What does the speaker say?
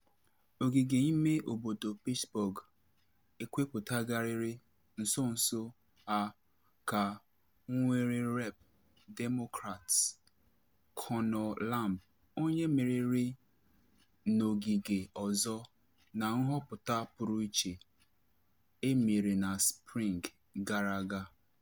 Ogige ime obodo Pittsburg ekwepụtagharịrị nso nso a ka nwere Rep. Demokrats Conor Lamb - onye meriri n’ogige ọzọ na nhọpụta pụrụ iche e mere na spring gara aga.